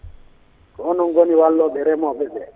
ko onoon goni walloɓe remoɓeɓe